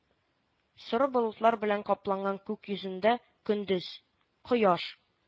Соры болытлар белән капланган күк йөзендә көндез — кояш